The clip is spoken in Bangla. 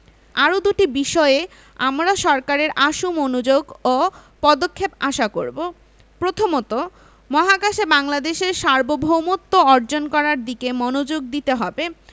আরও দুটি বিষয়ে আমরা সরকারের আশু মনোযোগ ও পদক্ষেপ আশা করব প্রথমত মহাকাশে বাংলাদেশের সার্বভৌমত্ব অর্জন করার দিকে মনোযোগ দিতে হবে